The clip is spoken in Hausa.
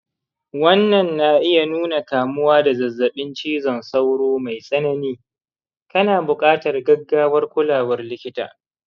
wannan na iya nuna kamuwa da zazzaɓin cizon sauro mai tsanani, kana buƙatar gaggawar kulawar likita.